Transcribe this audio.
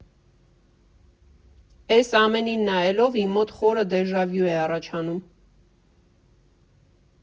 «Էս ամենին նայելով իմ մոտ խորը դե֊ժա֊վյու է առաջանում։